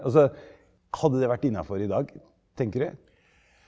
altså hadde det vært innafor i dag tenker du?